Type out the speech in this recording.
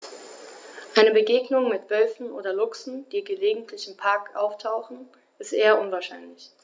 Eine Begegnung mit Wölfen oder Luchsen, die gelegentlich im Park auftauchen, ist eher unwahrscheinlich.